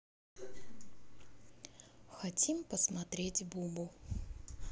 хотим посмотреть бубу